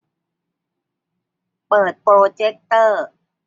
เปิดโปรเจกเตอร์